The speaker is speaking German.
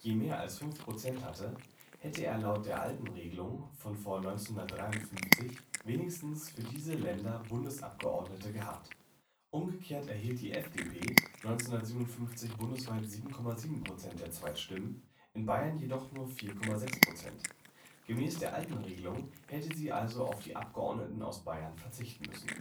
mehr als fünf Prozent hatte, hätte er laut der alten Regelung von vor 1953 wenigstens für diese Länder Bundesabgeordnete gehabt. Umgekehrt erhielt die FDP 1957 bundesweit 7,7 Prozent der Zweitstimmen, in Bayern jedoch nur 4,6 Prozent. Gemäß der alten Regelung hätte sie also auf die Abgeordneten aus Bayern verzichten müssen